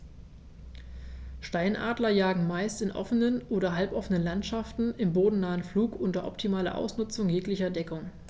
Steinadler jagen meist in offenen oder halboffenen Landschaften im bodennahen Flug unter optimaler Ausnutzung jeglicher Deckung.